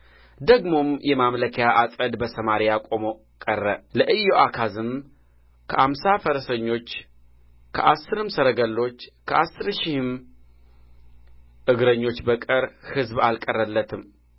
ደግሞም የማምለኪያ ዐፀድ በሰማርያ ቆሞ ቀረ ለኢዮአካዝም ከአምሳ ፈረሰኞች ከአሥርም ሰረገሎች ከአሥር ሺህም እግረኞች በቀር ሕዝብ አልቀረለትም